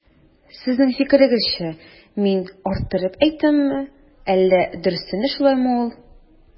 Сезнең фикерегезчә мин арттырып әйтәмме, әллә дөрестән дә шулаймы ул?